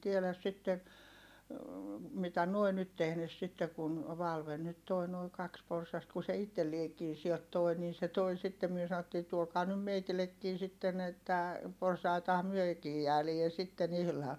en tiedä sitten mitä nuo nyt tehneet sitten kun Valven nyt tuo nuo kaksi porsasta kun se itsellekin siltä toi niin se tuo sitten me sanottiin tuokaa nyt meillekin sitten että porsaittahan mekin jäädään sitten ihan